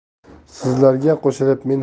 sizlarga qo'shilib men